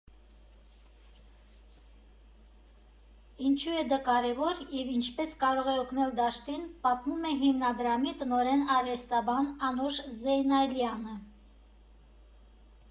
Ինչու է դա կարևոր և ինչպես կարող է օգնել դաշտին՝ պատմում է հիմնադրամի տնօրեն, արվեստաբան Անուշ Զեյնալյանը։